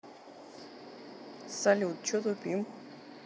салют че тупим